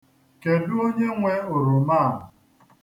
Kedụ onye nwe oroma a?